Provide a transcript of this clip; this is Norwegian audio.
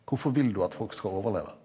hvorfor vil du at folk skal overleve?